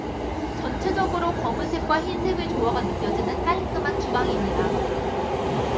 전체적으로 검은색과 흰색의 조화가 느껴지는 깔끔한 주방입니다